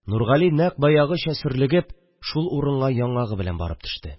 Нургали нәкъ баягыча сөрлегеп шул урынга яңагы белән барып төште